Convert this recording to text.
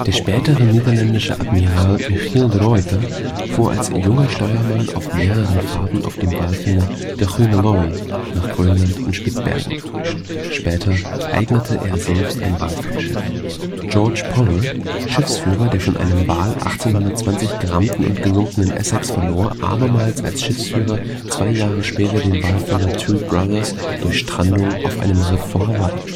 spätere niederländische Admiral Michiel de Ruyter fuhr als junger Steuermann auf mehreren Fahrten auf dem Walfänger De Groene Leeuw nach Grönland und Spitzbergen. Später eignerte er selbst ein Walfangschiff. George Pollard, Schiffsführer der von einem Wal 1820 gerammten und gesunkenen Essex verlor, abermals als Schiffsführer, zwei Jahre später den Walfänger Two Brothers durch Strandung auf einem Riff vor Hawaii